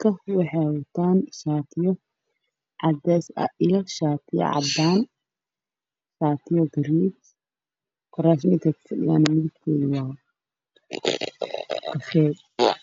kursi guduudan dhar ay qabaan badankooda waa shaati cadaan ah afar ayaa ka qabto shaati jaalo ah